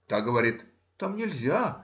та говорит: Там нельзя